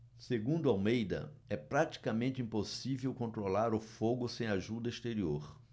segundo almeida é praticamente impossível controlar o fogo sem ajuda exterior